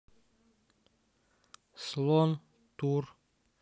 слон тур